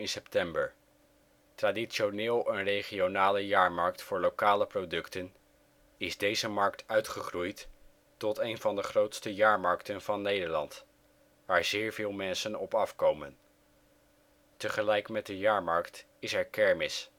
september. Traditioneel een regionale jaarmarkt voor lokale producten, is deze markt uitgegroeid tot een van de grootste jaarmarkten van Nederland, waar zeer veel mensen op af komen. Tegelijk met de jaarmarkt is er kermis